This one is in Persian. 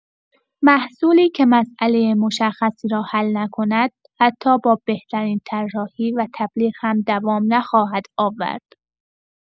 محصولی که مسئله مشخصی را حل نکند، حتی با بهترین طراحی و تبلیغ هم دوام نخواهد آورد.